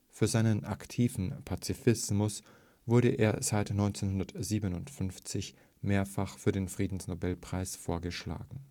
für seinen aktiven Pazifismus wurde er seit 1957 mehrfach für den Friedensnobelpreis vorgeschlagen